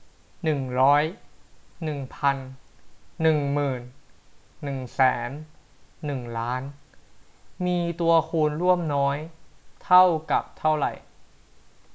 หนึ่งร้อยหนึ่งพันหนึ่งหมื่นหนึ่งแสนหนึ่งล้านมีตัวคูณร่วมน้อยเท่ากับเท่าไหร่